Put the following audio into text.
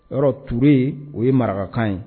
Yɔrɔ ture o ye marakakan ye